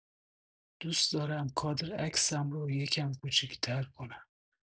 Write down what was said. دوست دارم کادر عکسم رو یکم کوچیک‌تر کنم.